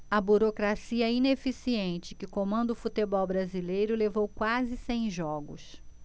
a burocracia ineficiente que comanda o futebol brasileiro levou quase cem jogos